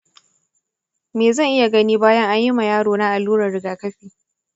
me zan iya gani bayan anyima yarona allurar rigafi?